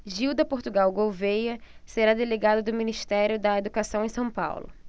gilda portugal gouvêa será delegada do ministério da educação em são paulo